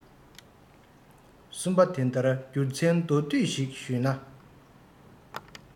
གསུམ པ དེ ལྟར རྒྱུ མཚན མདོར བསྡུས ཤིག ཞུས ན